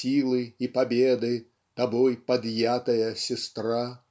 силы и победы Тобой подъятая сестра?